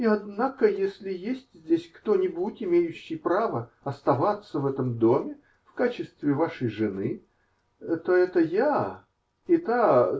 -- И, однако, если есть здесь кто-нибудь, имеющий право оставаться в этом доме в качестве вашей жены, то это я, и та.